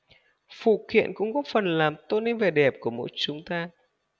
phụ kiện cũng góp phần làm tôn nên vẻ đẹp của mỗi chúng ta